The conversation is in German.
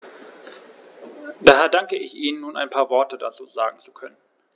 Daher danke ich Ihnen, nun ein paar Worte dazu sagen zu können.